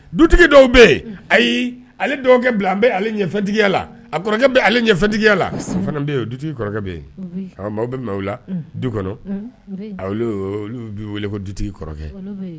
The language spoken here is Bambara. Dutigi dɔw bɛ yen ayi ale dɔgɔkɛ bila an bɛ ɲɛtigiya la a kɔrɔkɛ bɛ ɲɛtigiya la fana bɛ yen dutigi kɔrɔkɛ bɛ yen bɛ la du kɔnɔ olu bɛi wele ko dutigi kɔrɔkɛ